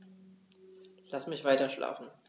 Lass mich weiterschlafen.